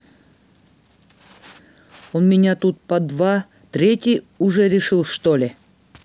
он меня тут под два третий уже решил что ли